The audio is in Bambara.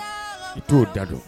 I t'o da don